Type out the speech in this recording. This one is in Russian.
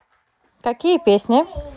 какие песни